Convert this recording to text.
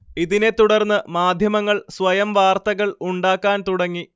ഇതിനെ തുടർന്ന് മാധ്യമങ്ങൾ സ്വയം വാർത്തകൾ ഉണ്ടാക്കാൻ തുടങ്ങി